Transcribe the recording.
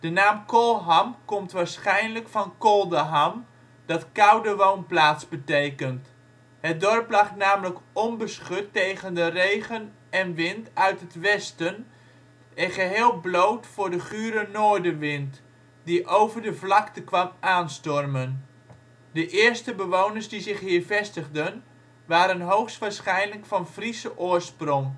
naam Kolham komt waarschijnlijk van Koldeham, dat " koude woonplaats " betekent. Het dorp lag namelijk onbeschut tegen de regen en wind uit het westen en geheel bloot voor de gure noordenwind, die over de vlakte kwam aanstormen. De eerste bewoners die zich hier vestigden, waren hoogstwaarschijnlijk